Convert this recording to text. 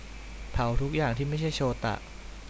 เผาทุกอย่างที่ไม่ใช่โชตะ